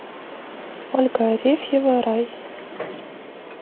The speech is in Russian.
ольга арефьева рай